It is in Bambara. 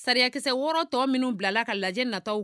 Sariyakisɛsɛ wɔɔrɔ tɔ minnu bilala ka lajɛ natɔw